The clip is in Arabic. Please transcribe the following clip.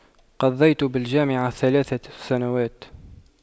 قضيت بالجامعة ثلاثة سنوات